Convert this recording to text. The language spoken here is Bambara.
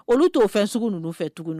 Olu t' o fɛn sugu ninnu fɛ tugun don